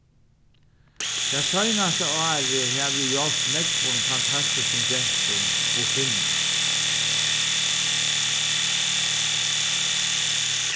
tað seinasta árið havi eg hjálpt nógvum fantastiskum gentum og kvinnum